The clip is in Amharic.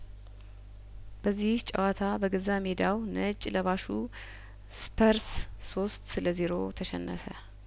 በዚህ ጨዋታ በገዛ ሜዳው ነጭ ለባሹ ስፐርስ ሶስት ለዜሮ ተሸነፈ